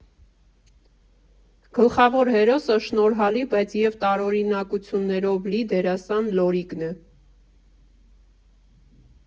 Գլխավոր հերոսը շնորհալի, բայց և տարօրինակություններով լի դերասան Լորիկն է։